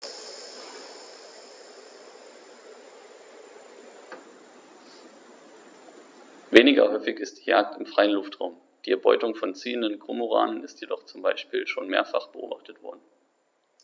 Weniger häufig ist die Jagd im freien Luftraum; die Erbeutung von ziehenden Kormoranen ist jedoch zum Beispiel schon mehrfach beobachtet worden.